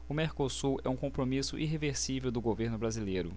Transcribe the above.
o mercosul é um compromisso irreversível do governo brasileiro